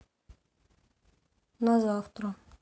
назавтра